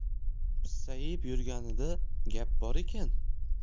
pissayib yurganida gap bor ekan